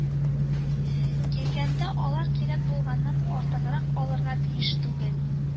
Килгәндә, алар кирәк булганнан артыграк алырга тиеш түгел”